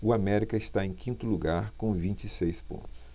o américa está em quinto lugar com vinte e seis pontos